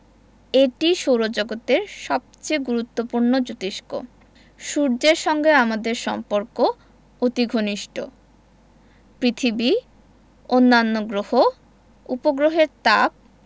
এটি সৌরজগতের সবচেয়ে গুরুত্বপূর্ণ জোতিষ্ক সূর্যের সঙ্গে আমাদের সম্পর্ক অতি ঘনিষ্ট পৃথিবী অন্যান্য গ্রহ উপগ্রহের তাপ